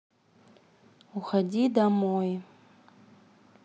уходи домой